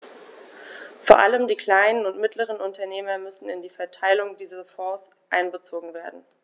Vor allem die kleinen und mittleren Unternehmer müssen in die Verteilung dieser Fonds einbezogen werden.